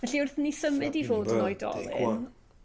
Felly wrth i ni symud i fod yn oedolyn,